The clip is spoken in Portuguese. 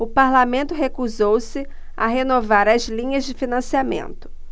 o parlamento recusou-se a renovar as linhas de financiamento